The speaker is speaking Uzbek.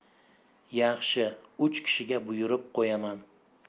yaxshi uch kishiga buyurib qo'yaman